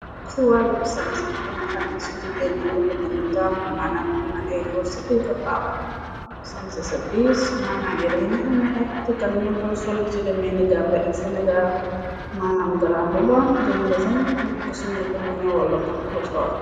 su wàllum sanse liña xarne ci jigéen ni ñu fë gna taamu manam amna ay góor saxyi ko taawu sanse sa piis manam yira yi ña xamna ay african nañu xoy soll ci demee ni gambe ak senegal manam grambu ba jël mbazeñ yopp ko sinawwkat mu ñawollo ko gasool.